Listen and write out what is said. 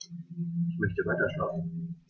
Ich möchte weiterschlafen.